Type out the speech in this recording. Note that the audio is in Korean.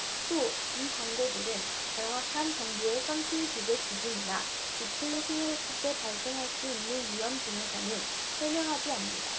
또 이 광고들은 정확한 정부의 선팅 규제 기준이나 짙은 선팅을 했을 때 발생할 수 있는 위험 등에 대해서는 설명하지 않는다